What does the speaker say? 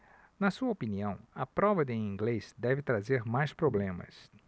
na sua opinião a prova de inglês deve trazer mais problemas